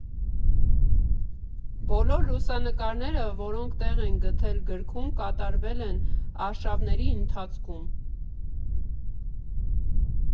Բոլոր լուսանկարները, որոնք տեղ են գտել գրքում, կատարվել են արշավների ընթացքում։